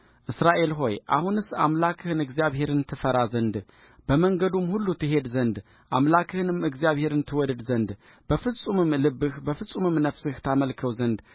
እስራኤል ሆይ አሁንስ አምላክህን እግዚአብሔርን ትፈራ ዘንድ በመንገዱም ሁሉ ትሄድ ዘንድ አምላክህንም እግዚአብሔርን ትወድድ ዘንድ በፍጹምም ልብህ በፍጹምም ነፍስህ ታመልከው ዘንድ